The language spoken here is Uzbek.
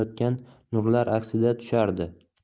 aylanayotgan nurlar aksida tushardi